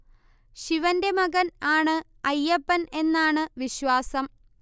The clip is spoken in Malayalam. ശിവന്റെ മകൻ ആണ് അയ്യപ്പൻ എന്നാണ് വിശ്വാസം